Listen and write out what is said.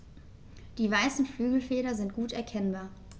Die weißen Flügelfelder sind gut erkennbar.